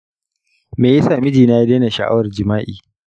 me yasa mijina ya daina sha’awar jima’i?